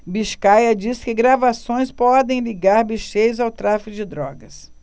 biscaia diz que gravações podem ligar bicheiros ao tráfico de drogas